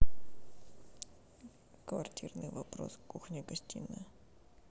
квартирный вопрос кухня гостиная